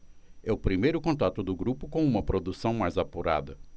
é o primeiro contato do grupo com uma produção mais apurada